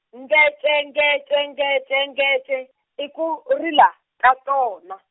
ngece ngece ngece ngece, i ku rila, ka tona.